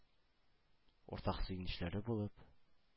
Уртак сөенечләре булып,